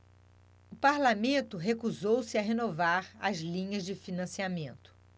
o parlamento recusou-se a renovar as linhas de financiamento